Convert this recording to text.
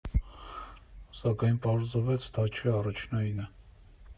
Սակայն պարզվեց դա չէ առաջնայինը։